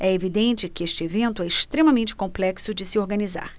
é evidente que este evento é extremamente complexo de se organizar